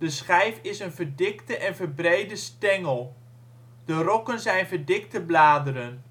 schijf is een verdikte en verbrede stengel. De rokken zijn verdikte bladeren